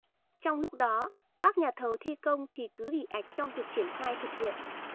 trong lúc đó các nhà thầu thi công thì cứ ì ạch trong việc triển khai thực hiện